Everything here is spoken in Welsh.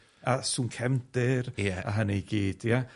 A sŵn cefndir. Ie.A hynny i gyd, ie?